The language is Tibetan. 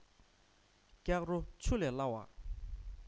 སྐྱག རོ ཆུ ལས སླ བ